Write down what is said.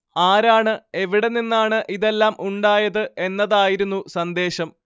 ആരാണ് എവിടെ നിന്നാണ് ഇതെല്ലാം ഉണ്ടായത് എന്നതായിരുന്നു സന്ദേശം